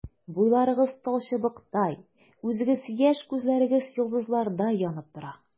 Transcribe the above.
Буйларыгыз талчыбыктай, үзегез яшь, күзләрегез йолдызлардай янып тора.